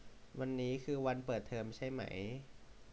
วันนี้คือวันเปิดเทอมใช่ไหม